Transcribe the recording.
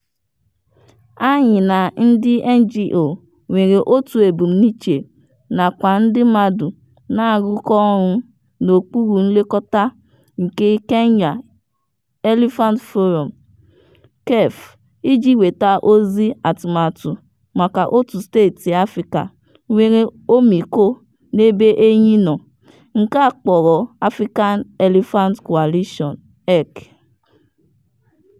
Anyị na ndị NGO nwere otu ebumnuche nakwa ndị mmadụ na-arụkọ ọrụ n'okpuru nlekọta nke Kenya Elephant Forum (KEF) iji weta ozi atụmatụ maka otu steeti Afrịka nwere ọmịiko n'ebe enyi nọ, nke a kpọrọ African Elephant Coalition (AEC).